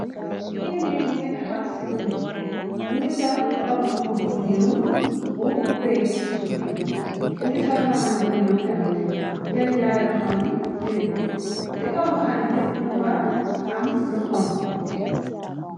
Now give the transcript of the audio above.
Jigéen bi mu ngi taxaw ci bunt mu ngi sol ropp bu gudd buñul bu preeku ci suuf mi ngi sol mbaxana buñul tamit jël ñaare roxa mi firiko ci kaw mbaxana bi mun fa am lu xonku.